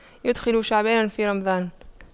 يُدْخِلُ شعبان في رمضان